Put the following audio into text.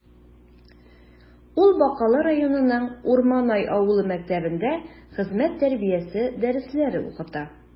Ул Бакалы районының Урманай авылы мәктәбендә хезмәт тәрбиясе дәресләре укыта.